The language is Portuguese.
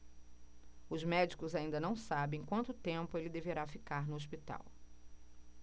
os médicos ainda não sabem quanto tempo ele deverá ficar no hospital